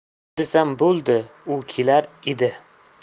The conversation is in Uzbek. yur desam bo'ldi u kelar edi